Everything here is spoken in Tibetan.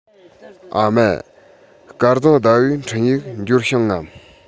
ཨ མ སྐལ བཟང ཟླ བའི འཕྲིན ཡིག འབྱོར བྱུང ངམ